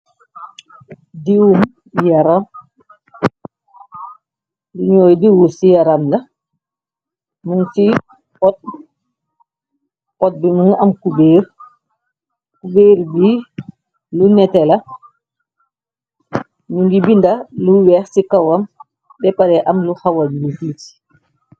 Diiwum yaram, luñooy diwu ci yaramda, mung ci pot, pot bi mungy am kubéer, kuberre bi lu neteh la, ñu ngi binda lu weex ci kawam, beh pareh am lu xawar njull tuti.